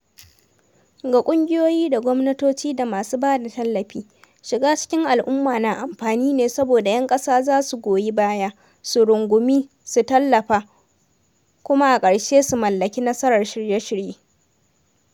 Ga kungiyoyi da gwamnatoci da masu ba da tallafi, shiga cikin al'umma na amfani ne saboda ‘yan ƙasa za su goyi baya, su rungumi, su tallafa, kuma a ƙarshe su mallaki nasarar shirye-shirye.